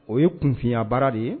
O ye kunfiya baara de ye